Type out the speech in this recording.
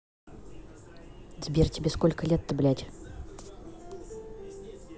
сбер тебе сколько лет то блядь